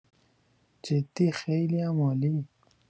جدی خیلی‌ام عالی